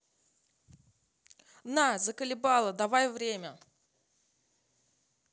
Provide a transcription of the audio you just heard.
на заколебала давай время